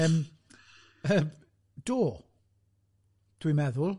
Yym yy do, dwi'n meddwl.